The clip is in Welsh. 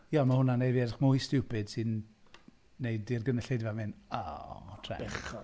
Ie ond mae hwnna'n wneud fi edrych mwy stupid, sy'n wneud i'r gynulleidfa mynd "o trueni"... Bechod.